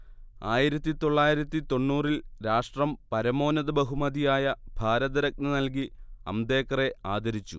ആയിരത്തി തൊള്ളായിരത്തി തൊണ്ണൂറിൽ രാഷ്ട്രം പരമോന്നത ബഹുമതിയായ ഭാരതരത്ന നല്കി അംബേദ്കറെ ആദരിച്ചു